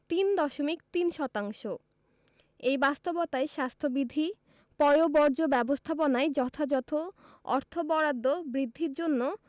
তিন দশমিক তিন শতাংশ এই বাস্তবতায় স্বাস্থ্যবিধি পয়ঃবর্জ্য ব্যবস্থাপনায় যথাযথ অর্থ বরাদ্দ বৃদ্ধির জন্য